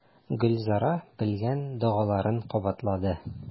Гөлзәрә белгән догаларын кабатлады.